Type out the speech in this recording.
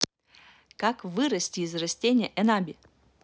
как вырасти из растения унаби